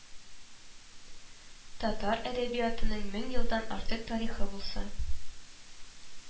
Татар әдәбиятының мең елдан артык тарихы булса